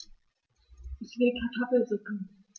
Ich will Kartoffelsuppe.